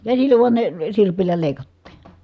käsillä vain ne sirpillä leikattiin